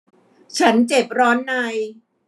ฉันเจ็บร้อนใน